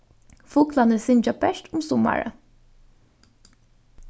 fuglarnir syngja bert um summarið